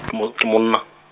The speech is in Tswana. ke mo-, ke monna.